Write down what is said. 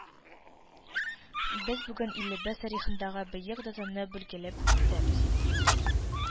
Без бүген илебез тарихындагы бөек датаны билгеләп үтәбез